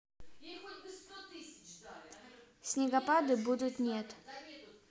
снегопады будут нет